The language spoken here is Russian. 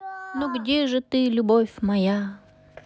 ну где же ты любовь моя